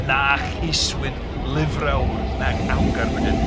Na cheisswynt lyfrawr nac agawr brydyd.